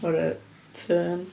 What a turn?